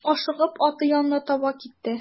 Ашыгып аты янына таба китте.